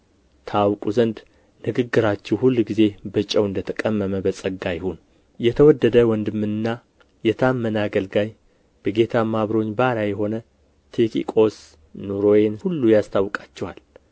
ታውቁ ዘንድ ንግግራችሁ ሁልጊዜ በጨው እንደ ተቀመመ በጸጋ ይሁን የተወደደ ወንድምና የታመነ አገልጋይ በጌታም አብሮኝ ባሪያ የሆነ ቲኪቆስ ኑሮዬን ሁሉ ያስታውቃችኋል